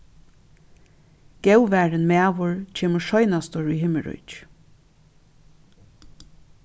góðvarin maður kemur seinastur í himmiríki